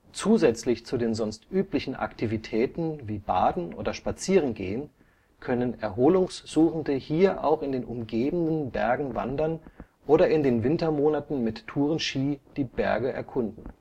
Zusätzlich zu den sonst üblichen Aktivitäten wie Baden oder Spazierengehen können Erholungssuchende hier auch in den umgebenden Bergen wandern oder in den Wintermonaten mit Tourenski die Berge erkunden